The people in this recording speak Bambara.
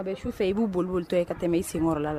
A bɛ su fɛ i bu boli boli tɔ ye ka tɛmɛ i sen l kɔrɔla la